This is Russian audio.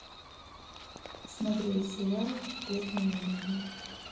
смотреть сериал бедные люди